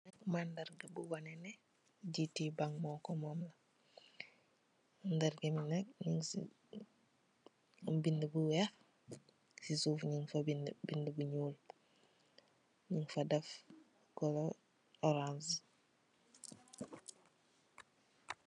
Mandarga búy waneh neh GT Bank moko mom. Mandarga bu nak mug ci bindé bu wèèx ci suuf ñing fa bindé bindé bu ñuul. Ñing fa def kolor orans.